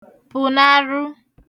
pụ̀naru